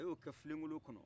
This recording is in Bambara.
a ye o kɛ filenkolon kɔnɔ